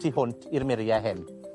tu hwnt i'r murie hyn.